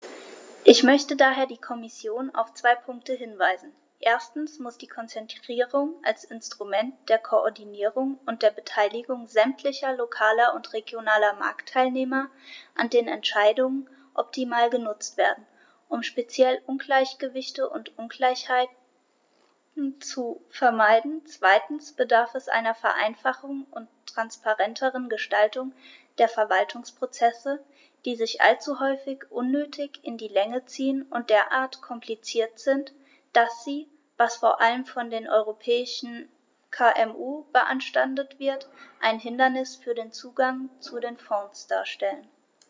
Ich möchte daher die Kommission auf zwei Punkte hinweisen: Erstens muss die Konzertierung als Instrument der Koordinierung und der Beteiligung sämtlicher lokaler und regionaler Marktteilnehmer an den Entscheidungen optimal genutzt werden, um speziell Ungleichgewichte und Ungleichheiten zu vermeiden; zweitens bedarf es einer Vereinfachung und transparenteren Gestaltung der Verwaltungsprozesse, die sich allzu häufig unnötig in die Länge ziehen und derart kompliziert sind, dass sie, was vor allem von den europäischen KMU beanstandet wird, ein Hindernis für den Zugang zu den Fonds darstellen.